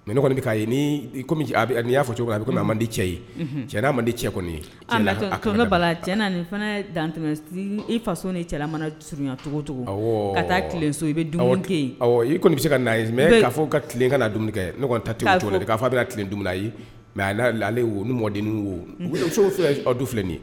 Mɛ ne kɔni k'a ye ni y'a fɔ cogo a bɛ' man di cɛ ye cɛ' man di cɛ kɔni ye bala dant i faso ni cɛ mana cogo cogo ka taa tileso i bɛ i kɔni bɛ se ka naa mɛ' fɔ ka tilen ka la dumuni kɛ ne kɔni tati jɔn' fɔ a bɛ tile dumla ye mɛ ale ni mɔden wo fɛ du filɛ nin ye